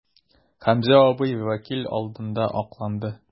Хәмзә абый вәкил алдында акланды.